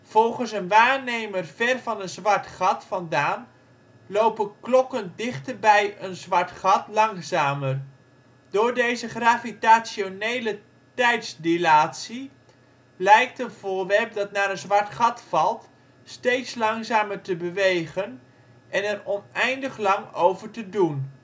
Volgens een waarnemer ver van een zwart gat vandaan lopen klokken dichter bij een zwart gat langzamer. Door deze gravitationele tijdsdilatie lijkt een voorwerp dat naar een zwart gat valt steeds langzamer te bewegen en er oneindig lang over te doen